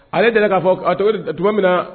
Ale delila k'a fɔ, a tɔgɔ ye di, tuma min na